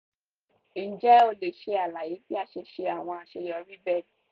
Ǹjẹ́ o lè ṣe àlàyé bí a ṣe ṣe àwọn àṣeyọrí bẹ́ẹ̀?